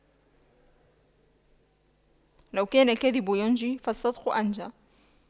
لو كان الكذب ينجي فالصدق أنجى